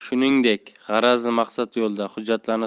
shuningdek g'arazli maqsad yo'lida hujjatlarni